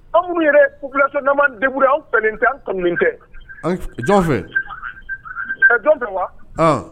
Anwu yɛrɛ u bilamama debu an fɛ kɛ jɔn fɛ jɔn fɛ wa